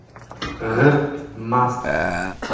g'irt mast